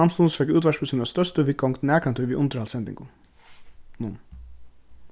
samstundis fekk útvarpið sína størstu viðgongd nakrantíð við undirhaldssendingunum